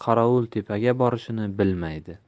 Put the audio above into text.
qorovultepaga borishini bilmaydi